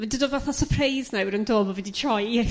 Ma' 'dy do' fath a sypreis nawr yndo? Fo fi 'di troi e